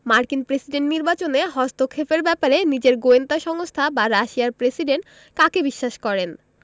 মার্কিন প্রেসিডেন্ট নির্বাচনে হস্তক্ষেপের ব্যাপারে নিজের গোয়েন্দা সংস্থা বা রাশিয়ার প্রেসিডেন্ট কাকে বিশ্বাস করেন